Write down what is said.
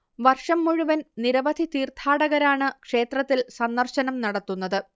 വർഷം മുഴുവൻ നിരവധി തീർത്ഥാടകരാണ് ക്ഷേത്രത്തിൽ സന്ദർശനം നടത്തുന്നത്